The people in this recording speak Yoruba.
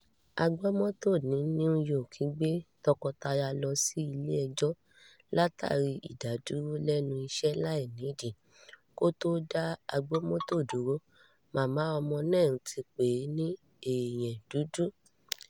Agbọmọtọ́ ní New York gbé tọkọtaya lọ sí ilé-ẹjọ́ látàrí ìdádúró lẹnu iṣẹ́ láìnídìí. K’ọ́n tó dá agbọmọtọ́ dúró, màmá ọmọ náà t pè é ní “èèyàn dúdú.”